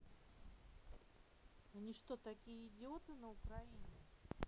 они что такие идиоты на украине